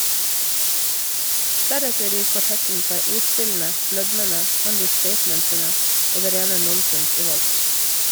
Deretter gir kvartetten seg ordspillene, blødmene, understatementene og det rene nonsens i vold.